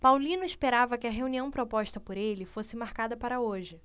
paulino esperava que a reunião proposta por ele fosse marcada para hoje